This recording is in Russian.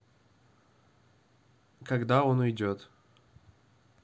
когда он уйдет